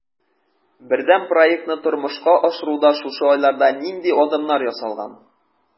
Бердәм проектны тормышка ашыруда шушы айларда нинди адымнар ясалган?